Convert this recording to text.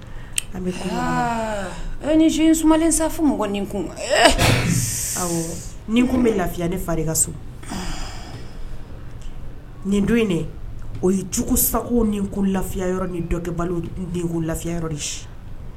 Bɛ ye ni j suma sanfɛ fɔ mɔgɔ kun ni kun bɛ lafiya ne fa de ka so nin don in o yejugusago ni ko lafiya ni dɔkɛba ko lafiya de